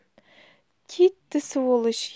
kitti svolish